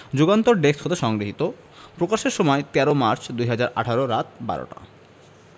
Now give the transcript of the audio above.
Jugantor desk হতে সংগৃহীত প্রকাশের সময় ১৩ মার্চ ২০১৮ রাত ১২:০০ টা